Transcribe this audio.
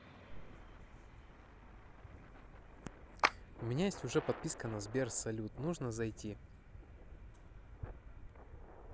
у меня есть уже подписка на сбер салют нужно зайти